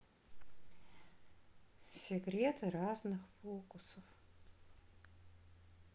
секреты разных фокусов